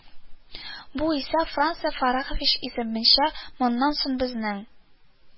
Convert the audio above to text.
Бу исә, франц фәррәхович исәбенчә, моннан соң безнең